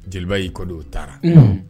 Jeliba y'i kɔ don , o taara